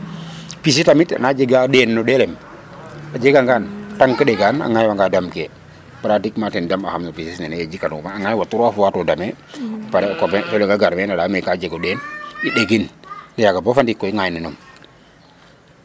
Pis tamit ana jegaa ɗeen no ɗelem a jegangan tant que ɗegaan a ŋaaywanga yo damkee. Pratiquement ten damaxam no pises nene ye jikanuma a ŋaaywa 3 fois to damee aprés o copain eso leŋ a garmeen a layam mee ka jeg o ɗeem i ɗegin yaaga bo fa ndiik koy ŋaayninum.